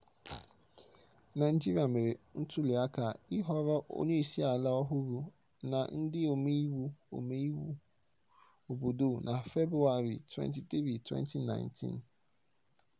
Naịjirịa mere ntuliaka ịhọrọ onyeisiala ọhụrụ na ndị omeiwu obodo na Febụwarị 23, 2019.